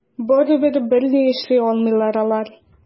Барыбер берни эшли алмыйлар алар.